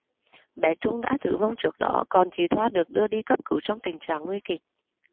bé trung đã tử vong trước đó còn chị thoa được đưa đi cấp cứu trong tình trạng nguy kịch